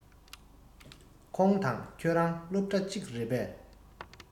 ཁོང དང ཁྱོད རང སློབ གྲྭ གཅིག རེད པས